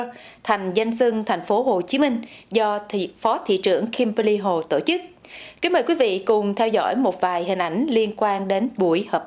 thành danh xưng thành phố hồ chí minh do thì phó thị trưởng kim bơ li hồ tổ chức kính mời quý vị cùng theo dõi một vài hình ảnh liên quan đến buổi họp